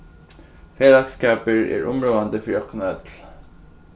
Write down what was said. felagsskapur er umráðandi fyri okkum øll